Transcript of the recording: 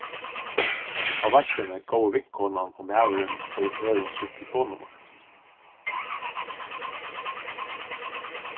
á veitsluni góvu vinkonan og maðurin hvørjum øðrum sítt telefonnummar